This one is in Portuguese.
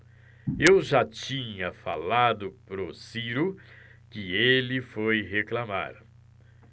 eu já tinha falado pro ciro que ele foi reclamar